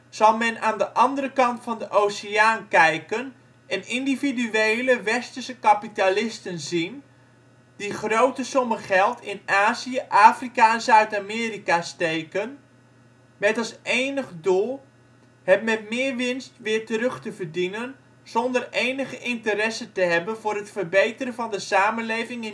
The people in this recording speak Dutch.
zal men aan de andere kant van de oceaan kijken en individuele westerse kapitalisten zien die grote sommen geld in Azië, Afrika en Zuid-Amerika steken met als enig doel het met meer winst weer terug te verdienen zonder enige interesse te hebben voor het verbeteren van de samenleving